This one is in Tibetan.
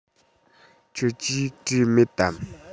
ཁྱོད ཀྱིས བྲིས མེད དམ